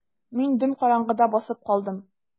Мин дөм караңгыда басып калдым.